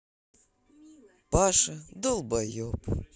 паша долбоеб